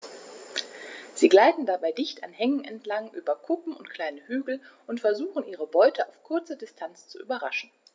Sie gleiten dabei dicht an Hängen entlang, über Kuppen und kleine Hügel und versuchen ihre Beute auf kurze Distanz zu überraschen.